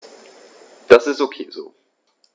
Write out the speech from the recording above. Das ist ok so.